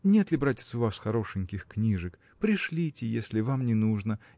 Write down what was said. Нет ли, братец, у вас хорошеньких книжек? пришлите, если вам не нужно